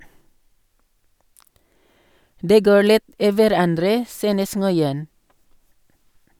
Det går litt i hverandre, synes Nguyen.